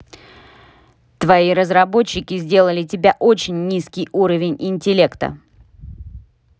твои разработчики сделали тебя очень низкий уровень интеллекта